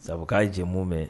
Sabu k'a cɛ m'o mɛn.